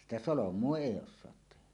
sitä solmua ei osata tehdä